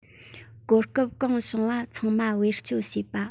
གོ སྐབས གང བྱུང བ ཚང མ བེད སྤྱོད བྱས པ